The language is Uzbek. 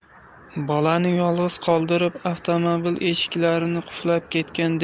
bolani yolg'iz qoldirib avtomobil eshiklarini qulflab ketgan